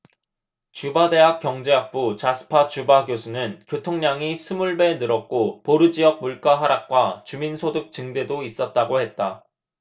주바대학 경제학부 자스파 주바 교수는 교통량이 스물 배 늘었고 보르 지역 물가 하락과 주민 소득 증대도 있었다고 했다